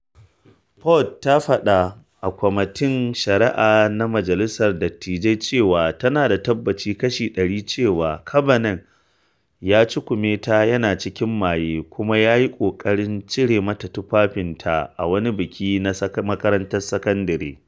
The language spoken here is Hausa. Ford ta faɗa a Kwamitin Shari’a na Majalisar Dattijai cewa tana da tabbaci kashi 100 cewa Kavanaugh ya cakume ta yana cikin maye kuma ya yi ƙoƙarin cire mata tufafinta a wani biki na makarantar sakandare.